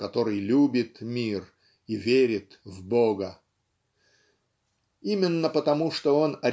Который любит мир и верит в Бога. Именно потому, что он